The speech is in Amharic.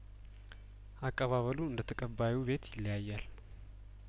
አቀባበሉ እንደየተቀባዩ ቤት ይለያያል